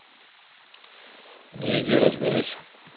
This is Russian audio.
ну иди разбирайся